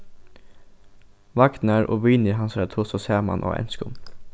vagnar og vinir hansara tosa saman á enskum